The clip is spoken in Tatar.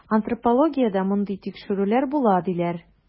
Антропологиядә мондый тикшерүләр була, диләр.